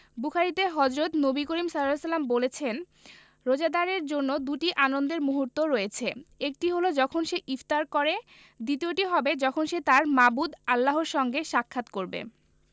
বুখারিতে হজরত নবী করিম সা বলেছেন রোজাদারের জন্য দুটি আনন্দের মুহূর্ত রয়েছে একটি হলো যখন সে ইফতার করে দ্বিতীয়টি হবে যখন সে তাঁর মাবুদ আল্লাহর সঙ্গে সাক্ষাৎ করবে